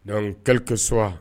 Donc quel que soit